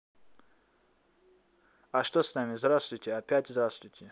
а что с нами здравствуйте опять здравствуйте